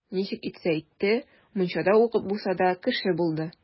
Ничек итсә итте, мунчада укып булса да, кеше булды.